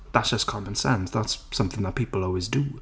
That's just common sense, that's something that people always do."*